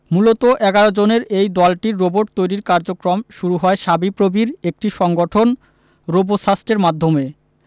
মূলত ১১ জনের এই দলটির রোবট তৈরির কার্যক্রম শুরু হয় শাবিপ্রবির একটি সংগঠন রোবোসাস্টের মাধ্যমে